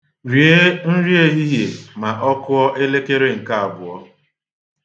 Rie nri ehihie ma ọ kụọ elekere nke abụọ.